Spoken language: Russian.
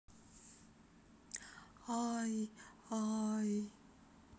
ай ай